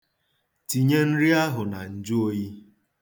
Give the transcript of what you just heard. Tinye nri ahụ na njụoyi.